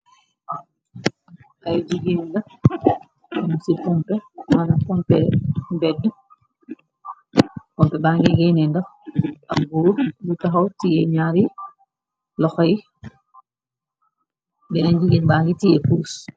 Ay jigeen la ngung ci pompe, manam pompe mbedd. Pompe bangi geynee ndox, am goor bu taxaw tiyé ñaari loxo, benen jigéen bangi tiée puus.